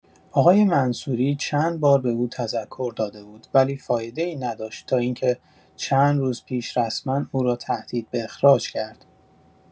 آقای منصوری چند بار به او تذکر داده بود، ولی فایده‌ای نداشت تا این‌که چند روز پیش رسما او را تهدید به اخراج کرد.